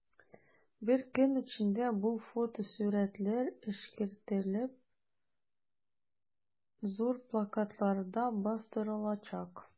Бер көн эчендә бу фотосурәтләр эшкәртелеп, зур плакатларда бастырылачак.